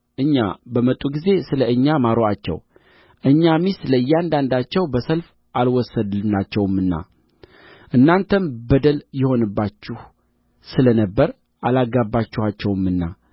እኛ በመጡ ጊዜ ስለ እኛ ማሩአቸው እኛ ሚስት ለያንዳንዳቸው በሰልፍ አልወሰድንላቸውምና እናንተም በደል ይሆንባችሁ ስለ ነበረ አላጋባችኋቸውምና